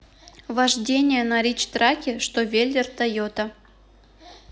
вождение на ричтраке что веллер тойота